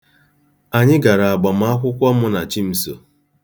Anyị gara agbamakwụkwọ Mụnachimso.